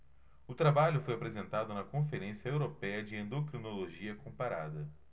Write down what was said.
o trabalho foi apresentado na conferência européia de endocrinologia comparada